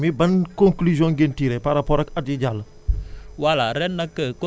ren jii bi ngeen saytoo mbay mi ban concluson ngeen tirer par rapport ak at yii jàll